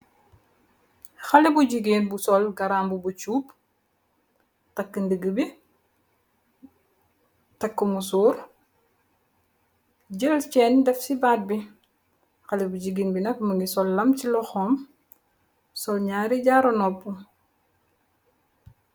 khaleh bu jigeen bu sol garambubu chubb takeu ndigue bi tak musor jeul cheen def ci baat bi khalebu jigeen b nak mu ngi sol lam ci lohom sol nyaari jaru nopu